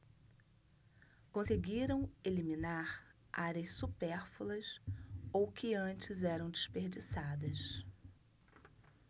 conseguiram eliminar áreas supérfluas ou que antes eram desperdiçadas